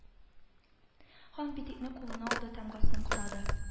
Хан битекне кулына алды тамгасын карады